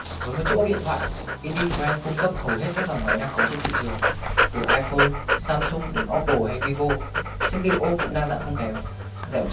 với một chiếc ốp điện thoại indyfriend cung cấp hầu hết các dòng máy đang có trên thị trường từ iphone samsung đến oppo hay vivo chất liệu ốp cũng đa dạng không kém